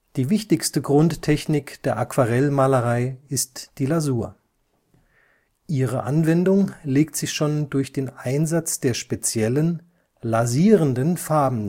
Die wichtigste Grundtechnik der Aquarellmalerei ist die Lasur; ihre Anwendung legt sich schon durch den Einsatz der speziellen, „ lasierenden “Farben